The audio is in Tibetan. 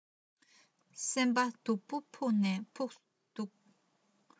སེམས པ སྡུག པ ཕུགས ནས ཕུགས སུ སྡུག